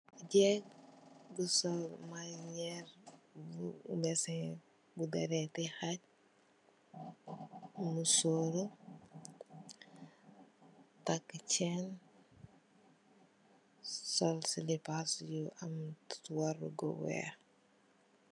Jekkk bu sol mari njerr bu bazin, bu dehrehti hajj, musorru, takue chaine, sol slippers yu am wargu wekh.